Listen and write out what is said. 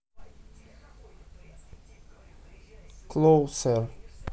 closer